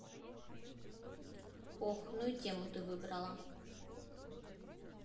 ох ну и тему ты выбрала